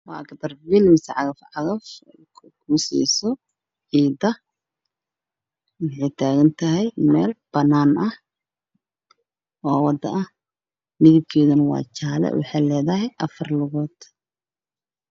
Waa cagaf cagaf dhisayso ciida oo taagan meel banaan oo wado ah midabkeedu waa jaale waxay leedahay afar lugood.